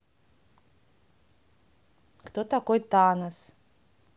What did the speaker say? кто такой танос